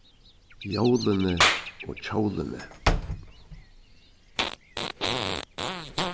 jólini og hjólini